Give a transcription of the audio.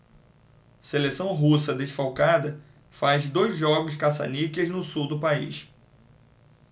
seleção russa desfalcada faz dois jogos caça-níqueis no sul do país